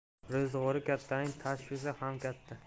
ro'zg'ori kattaning tashvishi ham katta